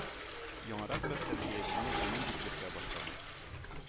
Яңарак бер тәрбиячене әни дип йөртә башлады